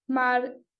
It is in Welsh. Ma'r